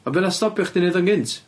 A be' nath stopio chdi neud o'n gynt?